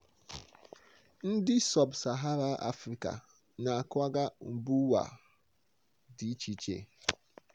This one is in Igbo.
Ndị sub-Sahara Afrịka na-akwaga mbaụwa dị iche iche.